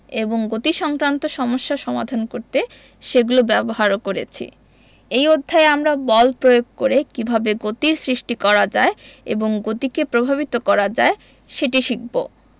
এবং গতিসংক্রান্ত সমস্যা সমাধান করতে সেগুলো ব্যবহারও করেছি এই অধ্যায়ে আমরা বল প্রয়োগ করে কীভাবে গতির সৃষ্টি করা যায় কিংবা গতিকে প্রভাবিত করা যায় সেটি শিখব